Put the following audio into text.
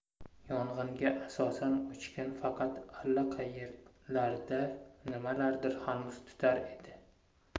yong'in asosan o'chgan faqat allaqaerlarda nimalardir hanuz tutar edi